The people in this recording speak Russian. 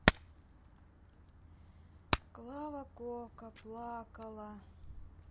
клава кока плакала